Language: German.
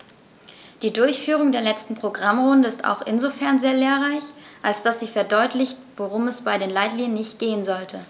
Die Durchführung der letzten Programmrunde ist auch insofern sehr lehrreich, als dass sie verdeutlicht, worum es bei den Leitlinien nicht gehen sollte.